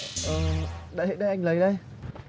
ờ đây đây anh lấy đây